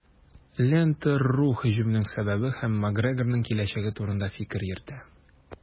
"лента.ру" һөҗүмнең сәбәбе һәм макгрегорның киләчәге турында фикер йөртә.